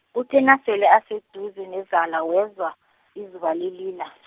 kuthe nasele aseduze nezala wezwa, izuba lilila .